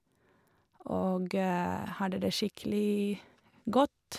Og hadde det skikkelig godt.